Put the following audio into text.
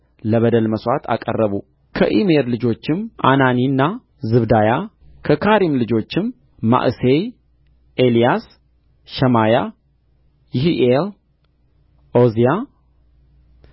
ለበደል መሥዋዕት አቀረቡ ከኢሜር ልጆችም አናኒና ዝባድያ ከካሪም ልጆችም መዕሤያ ኤልያስ ሸማያ ይሒኤል ዖዝያ